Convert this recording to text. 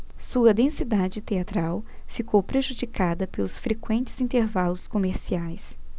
sua densidade teatral ficou prejudicada pelos frequentes intervalos comerciais